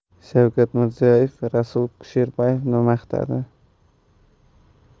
shavkat mirziyoyev rasul kusherbayevni maqtadi